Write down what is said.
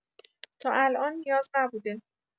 تا الان نیاز نبوده.